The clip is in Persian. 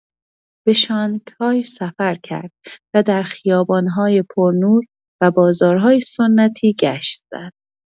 به شانگهای سفر کرد و در خیابان‌های پرنور و بازارهای سنتی گشت زد.